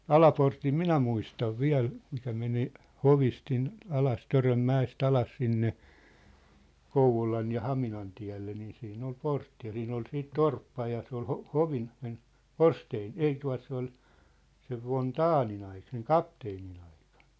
Alaportin minä muistan vielä mikä meni hovista sinne alas Törönmäestä alas sinne Kouvolan ja Haminan tielle niin siinä oli portti ja siinä oli sitten torppa ja se oli - hovin sen Forsténin ei tuota se oli sen von Daehnin - sen kapteenin aikana